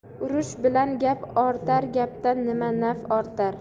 urush bilan gap ortar gapdan nima naf ortar